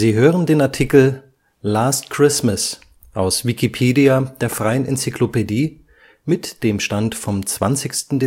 hören den Artikel Last Christmas, aus Wikipedia, der freien Enzyklopädie. Mit dem Stand vom Der